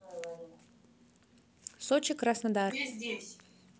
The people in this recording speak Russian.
сочи краснодар